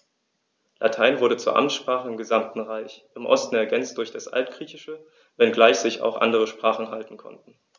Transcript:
Latein wurde zur Amtssprache im gesamten Reich (im Osten ergänzt durch das Altgriechische), wenngleich sich auch andere Sprachen halten konnten.